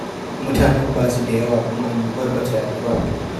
Mutanen ba su da yawa kuma annobar ba ta yaɗu ba.